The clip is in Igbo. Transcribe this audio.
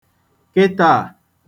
kịtāà